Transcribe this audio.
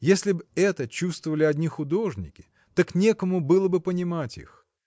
Если б это чувствовали одни художники, так некому было бы понимать их.